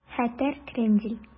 Хәтәр крендель